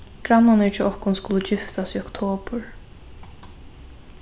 grannarnir hjá okkum skulu giftast í oktobur